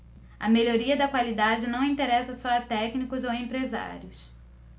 a melhoria da qualidade não interessa só a técnicos ou empresários